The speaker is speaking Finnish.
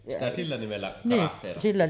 sitä sillä nimellä karahteerattiin